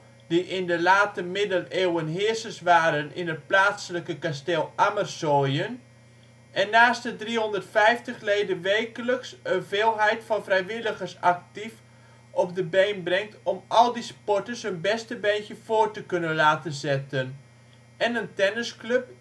in de late Middeleeuwen heersers waren in het plaatselijke kasteel Ammersoyen - en naast de 350 leden wekelijks een veelheid van vrijwilligers actief op de been brengt om al die sporters hun beste beentje voor te kunnen laten zetten - en een tennisclub